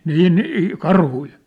niin niin karhuja